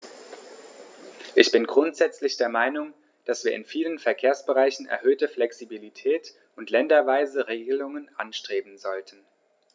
Ich bin grundsätzlich der Meinung, dass wir in vielen Verkehrsbereichen erhöhte Flexibilität und länderweise Regelungen anstreben sollten.